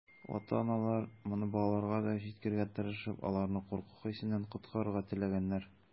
Ата-аналар, моны балаларга да җиткерергә тырышып, аларны курку хисеннән коткарырга теләгәннәр.